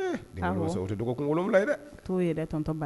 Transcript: Kolon